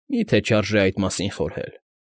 Մի՞թե չարժե այս մասին խորհել։